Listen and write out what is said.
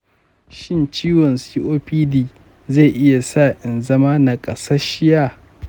shin ciwon copd zai iya sa in zama naƙasasshe?